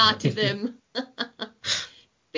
Na ti ddim .